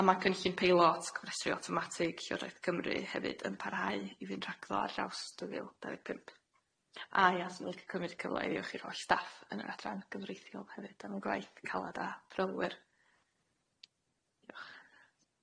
A ma' cynllun peilot cyfresru awtomatig Llywodraeth Cymru hefyd yn parhau i fynd rhagddo ar draws dwy fil dau ddeg pump. A ia cymryd cyfle i iwch i'r holl staff yn yr adran gyfreithiol hefyd am y gwaith calad a thrylwyr.